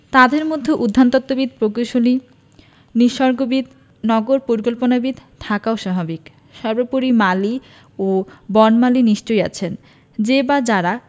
তাদের মধ্যে উদ্যানতত্ত্ববিদ প্রকৌশলী নিসর্গবিদ নগর পরিকল্পনাবিদ থাকাও স্বাভাবিক সর্বোপরি মালি ও বনমালী নিশ্চয়ই আছেন যে বা যারা